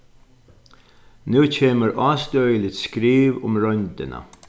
nú kemur ástøðiligt skriv um royndina